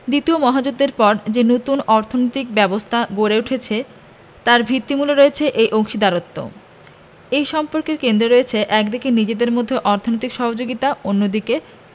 দ্বিতীয় মহাযুদ্ধের পর যে নতুন অর্থনৈতিক ব্যবস্থা গড়ে উঠেছে তার ভিত্তিমূলে রয়েছে এই অংশীদারত্ব এই সম্পর্কের কেন্দ্রে রয়েছে একদিকে নিজেদের মধ্যে অর্থনৈতিক সহযোগিতা অন্যদিকে